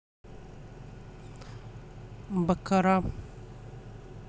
baccara